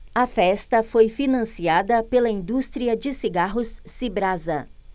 a festa foi financiada pela indústria de cigarros cibrasa